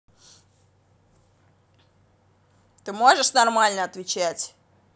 ты можешь нормально отвечать